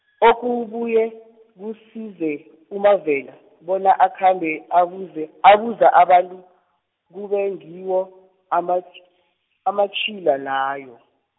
okubuye, kusize uMavela, bona akhambe abuze, abuza abantu kube ngiwo, amat- amatjhila layo.